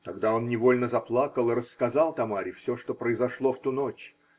Тогда он невольно заплакал и рассказал Тамаре все, что произошло в ту ночь.